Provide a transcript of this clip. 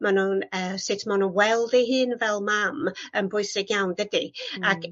Ma' nw'n yy sut ma' n'w weld eu hun fel mam yn bwysig iawn dydi ac